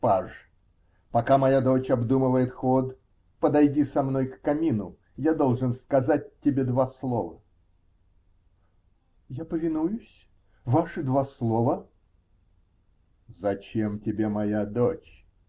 -- Паж, пока моя дочь обдумывает ход, подойди со мной к камину, я должен сказать тебе два слова. -- Я повинуюсь. Ваши два слова? -- Зачем тебе моя дочь?